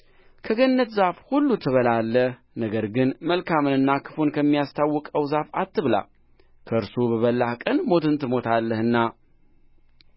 ከገነት ዛፍ ሁሉ ትበላለህ ነገር ግን መልካምንና ክፉን ከሚያስታውቀው ዛፍ አትብላ ከእርሱ በበላህ ቀን ሞትን ትሞታለህና